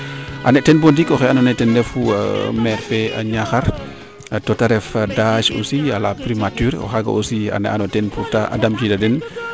a ne teen bo ndiik oxe ando naye ten refu maire fee Niakhar to te ref dage aussi à la Primature o xaaga aussi o na oyo teen pour ;fra te dam tiida den teen